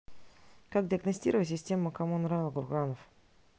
как диагностировать систему common rail курганов